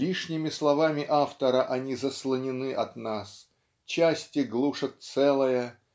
лишними словами автора они заслонены от нас части глушат целое